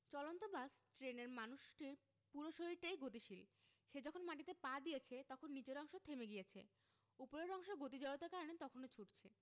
চলন্ত বাস ট্রেনের মানুষটির পুরো শরীরটাই গতিশীল সে যখন মাটিতে পা দিয়েছে তখন নিচের অংশ থেমে গিয়েছে ওপরের অংশ গতি জড়তার কারণে তখনো ছুটছে